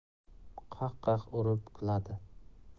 qah qah urib kuladi